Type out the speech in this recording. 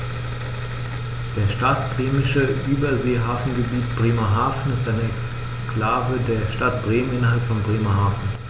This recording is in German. Das Stadtbremische Überseehafengebiet Bremerhaven ist eine Exklave der Stadt Bremen innerhalb von Bremerhaven.